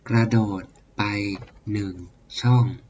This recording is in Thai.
กระโดดไปหนึ่งช่อง